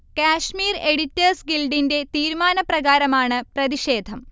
Kashmir editors ഗിൽഡിന്റെ തീരുമാനപ്രകാരമാണ് പ്രതിഷേധം